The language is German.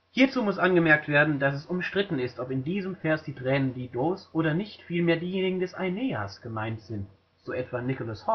Hierzu muss angemerkt werden, dass es umstritten ist, ob in diesem Vers die Tränen Didos oder nicht vielmehr diejenigen des Aeneas gemeint sind [so etwa Nicholas